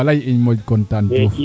walay in moƴu content